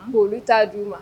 ' t'a d di u ma